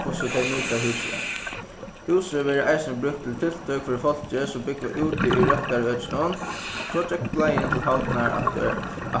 hvussu tey nýta húsið húsið verður eisini brúkt til tiltøk fyri fólkið sum búgva úti í røktarøkinum so gekk leiðin til havnar aftur